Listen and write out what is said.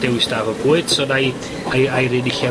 ...dewis da efo bwyd, so na' i, a' i a' i i'r un un lle...